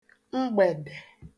mgbèdè